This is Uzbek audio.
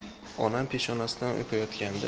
onam peshonasidan o'payotganda